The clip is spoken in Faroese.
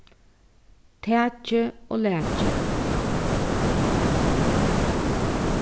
takið og laki